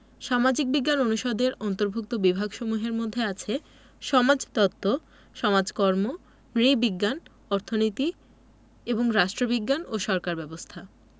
সামাজিক বিজ্ঞান অনুষদের অন্তর্ভুক্ত বিভাগসমূহের মধ্যে আছে সমাজতত্ত্ব সমাজকর্ম নৃবিজ্ঞান অর্থনীতি এবং রাষ্ট্রবিজ্ঞান ও সরকার ব্যবস্থা